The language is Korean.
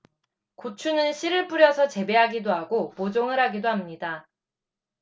고추는 씨를 뿌려서 재배하기도 하고 모종을 하기도 합니다